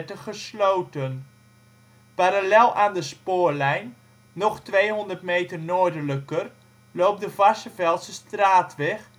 1938 gesloten. Parallel aan de spoorlijn, nog 200 meter noordelijker, loopt de Varsseveldsestraatweg